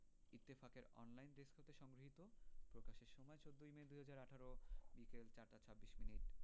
ইত্তেফাক এর online desk হতে সংগৃহীত প্রকাশের সময় ১৪মে ২০১৮ বিকেল ৪টা ২৬ মিনিট